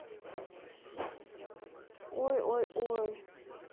ойойой